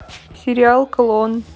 сериал клон